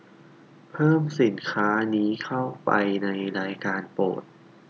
เพิ่มสินค้านี้เข้าไปในรายการโปรด